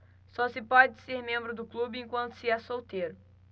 só se pode ser membro do clube enquanto se é solteiro